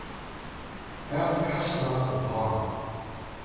at kasta uppá